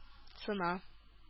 Цена